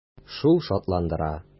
Шул шатландыра.